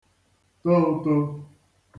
to uto